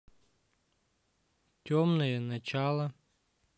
темные начала